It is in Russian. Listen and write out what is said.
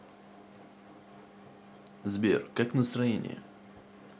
сбер как настроение